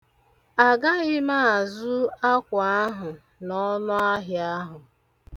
Agaghị m azụ akwa ahụ n'ọnụahịa ahụ.